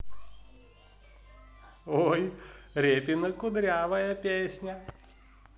ой репина кудрявая песня